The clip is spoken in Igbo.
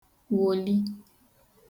wòli